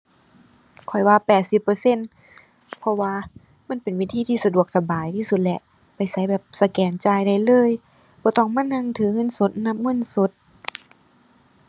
ข้อยว่าแปดสิบเปอร์เซ็นต์ เพราะว่ามันเป็นวิธีที่สะดวกสบายที่สุดแหละ ไปไสแบบสแกนจ่ายได้เลย บ่ต้องมานั่งถือเงินสดนับเงินสด